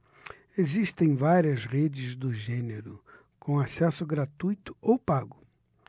existem várias redes do gênero com acesso gratuito ou pago